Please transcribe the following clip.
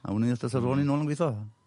A we' 'ny wthnos ar ôl 'no nôl yn gwitho.